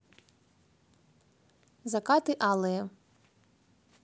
закаты алые